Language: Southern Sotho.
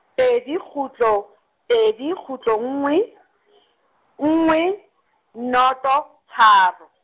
pedi kgutlo, pedi kgutlo nngwe , nngwe, noto tharo.